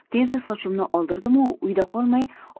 tezda sochimni oldirdimu uyda qolmay